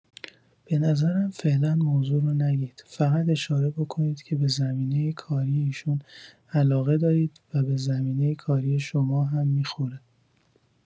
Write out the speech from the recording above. به نظرم فعلا موضوع رو نگید، فقط اشاره بکنید که به زمینه کاری ایشون علاقه دارید و به زمینه کاری شما هم می‌خوره.